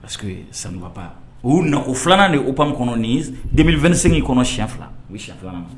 Parce que sanubaba u na o filanan de o tuma kɔnɔ nin denmisɛn2sen' kɔnɔ si fila filanan